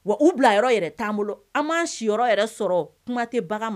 Wa u bila yɔrɔ yɛrɛ t'an bolo an man siyɔrɔ yɛrɛ sɔrɔ kuma tɛ bagan